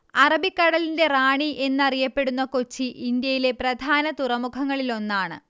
അറബിക്കടലിന്റെ റാണി എന്നറിയപ്പെടുന്ന കൊച്ചി ഇന്ത്യയിലെ പ്രധാന തുറമുഖങ്ങളിലൊന്നാണ്